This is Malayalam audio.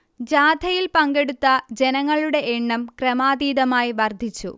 ജാഥയിൽ പങ്കെടുത്ത ജനങ്ങളുടെ എണ്ണം ക്രമാതീതമായി വർദ്ധിച്ചു